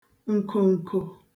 ǹkòǹkò